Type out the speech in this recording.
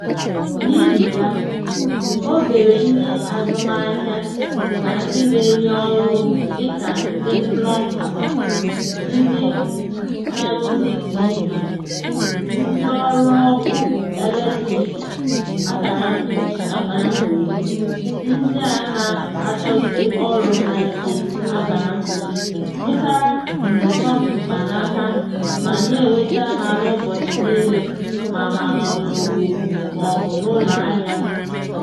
N'ihi ya, obere ndị azụmahịa na ndị na-enye ọrụ dịka ndị plọmba / ndị na-arụzi TV / ndịọrụ ọkụ eletrik (ndị a na-achọsi ọrụ ha ike) zụtara njikọ mkpanaka ma a na-enweta ha n'ụbọchị niile ma ha nọ n'oku maọbụ n'ụlọahịa ha.